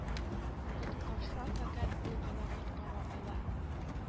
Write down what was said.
Коткарса фәкать ул гына коткара ала